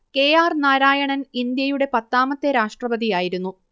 K R Narayanan ഇന്ത്യയുടെ പത്താമത്തെ രാഷ്ട്രപതിയായിരുന്നു